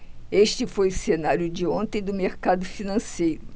este foi o cenário de ontem do mercado financeiro